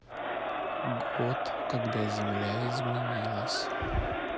год когда земля изменилась